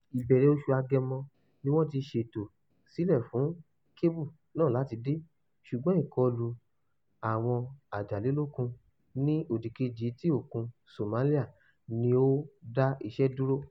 Ìbẹ̀rẹ̀ oṣù Agẹmọ ni wọ́n ti ṣètò sílẹ̀ fún kébù náà láti dé, ṣùgbọ́n ìkọlù àwọn ajalèlókun ní òdìkejì etíkun Somalia ni ó dá iṣẹ́ dúró.